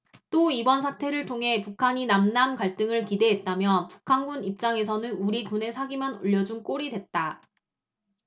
또 이번 사태를 통해 북한이 남 남 갈등을 기대했다면 북한군 입장에서는 우리군의 사기만 올려준 꼴이 됐다